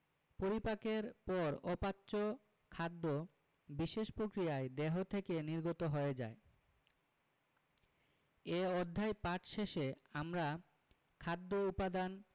পরিপাকের পর অপাচ্য খাদ্য বিশেষ প্রক্রিয়ায় দেহ থেকে নির্গত হয়ে যায় এ অধ্যায় পাঠ শেষে আমরা খাদ্য উপাদান